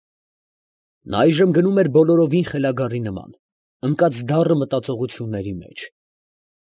Նա այժմ գնում էր բոլորովին խելագարի նման, ընկած դառը մտածությունների մեջ։